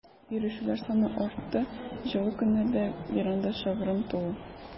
Йөрүчеләр саны артты, җылы көннәрдә веранда шыгрым тулы.